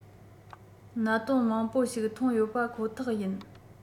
གནད དོན མང པོ ཞིག ཐོན ཡོད པ ཁོ ཐག ཡིན